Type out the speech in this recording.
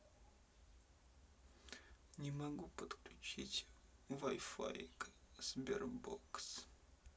не могу подключить wi fi к sberbox